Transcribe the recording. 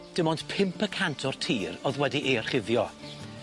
Dim ond pump y cant o'r tir o'dd wedi ei orchuddio.